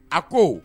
A ko